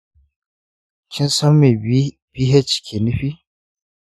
kinsan me bph ke nufi?